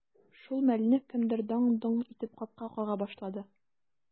Шул мәлне кемдер даң-доң итеп капка кага башлады.